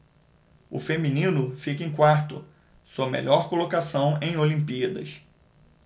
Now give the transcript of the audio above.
o feminino fica em quarto sua melhor colocação em olimpíadas